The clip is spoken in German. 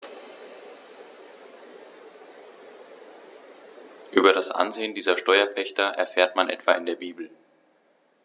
Über das Ansehen dieser Steuerpächter erfährt man etwa in der Bibel.